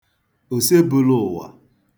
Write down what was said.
òsebūlụ̀wà